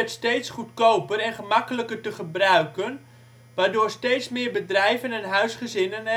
steeds goedkoper en gemakkelijker te gebruiken waardoor steeds meer bedrijven en huisgezinnen